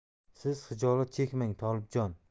siz xijolat chekmang tolibjon